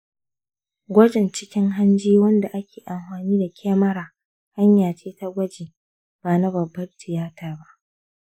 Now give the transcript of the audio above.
gwajin cikin hanji wanda ake amfani da kyamara hanyace ta gwaji, bana babbar tiyata ba.